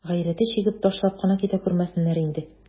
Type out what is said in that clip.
Гайрәте чигеп, ташлап кына китә күрмәсеннәр инде.